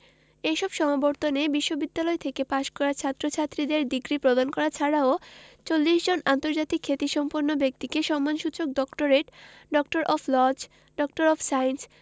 এসব সমাবর্তনে বিশ্ববিদ্যালয় থেকে পাশ করা ছাত্রছাত্রীদের ডিগ্রি প্রদান করা ছাড়াও ৪০ জন আন্তর্জাতিক খ্যাতিসম্পন্ন ব্যক্তিকে সম্মানসূচক doctorate doctor of laws doctor of science